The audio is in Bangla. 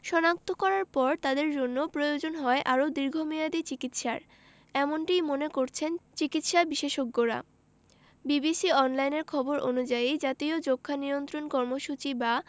শনাক্ত করার পর তাদের জন্য প্রয়োজন হয় আরও দীর্ঘমেয়াদি চিকিৎসার এমনটিই মনে করছেন চিকিৎসাবিশেষজ্ঞরা বিবিসি অনলাইনের খবর অনুযায়ী জাতীয় যক্ষ্মা নিয়ন্ত্রণ কর্মসূচি বা